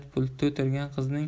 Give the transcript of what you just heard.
pultda o'tirgan qizning